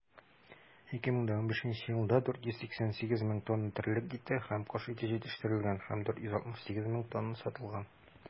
2015 елда 488 мең тонна терлек ите һәм кош ите җитештерелгән һәм 468 мең тонна сатылган.